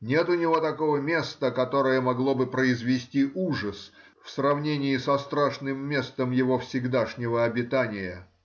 нет у него такого места, которое могло бы произвести ужас в сравнении с страшным местом его всегдашнего обитания.